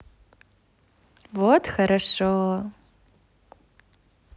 вот хорошо